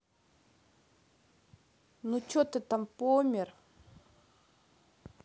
ну че ты там помер